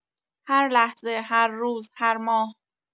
هر لحظه، هر روز، هر ماه